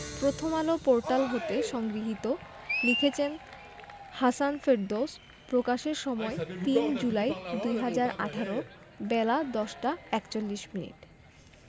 Prothom Alo portal হতে সংগৃহীত লিখেছেন হাসান ফেরদৌস প্রকাশের সময় ৩ জুলাই ২০১৮ বেলা ১০টা ৪১মিনিট